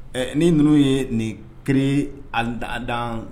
Ɛɛ ni ninnu ye nin créée a dans